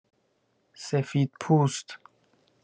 سفیدپوست